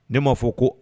Ne maa fɔ ko